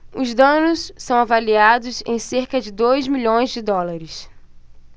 os danos são avaliados em cerca de dois milhões de dólares